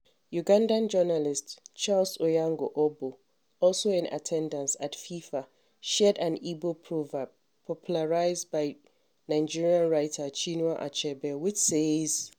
Ugandan journalist Charles Onyango-Obbo, also in attendance at FIFA, shared an Igbo proverb popularised by Nigerian writer Chinua Achebe which says: